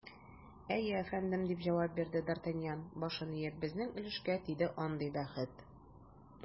Әйе, әфәндем, - дип җавап бирде д’Артаньян, башын иеп, - безнең өлешкә тиде андый бәхет.